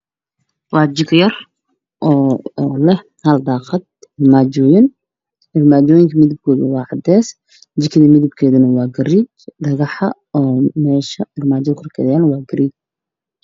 Waa jiko yar oo leh hal daaqad iyo armaajooyin oo cadeys ah, jikada midabkeedu waa gareej , dhagax waa gareej.